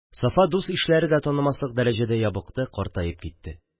Сафа дус-ишләре дә танымаслык булып ябыкты, картаеп китте.